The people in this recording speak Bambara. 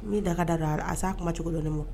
N' daga da don a a' a kuma cogokolon nin ma